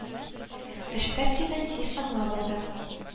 Эш тәртибен тиз аңлап алды.